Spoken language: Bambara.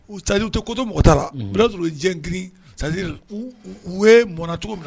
U sayi tɛ koto mɔgɔ taara jɛ grin sajiri we mɔnna cogo min